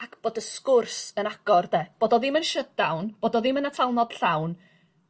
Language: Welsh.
Ac bod y sgwrs yn agor 'de? Bod o ddim yn shut down bod o ddim yn atalnod llawn.